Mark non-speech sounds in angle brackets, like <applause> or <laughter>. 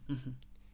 <hesitation> <hesitation>